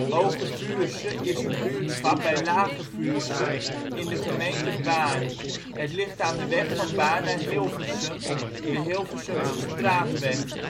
Hooge Vuursche is een buurtschap bij Lage Vuursche, gemeente Baarn. Het ligt aan de weg van Baarn naar Hilversum, de Hilversumse straatweg